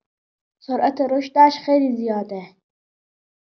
سرعت رشدش خیلی زیاده.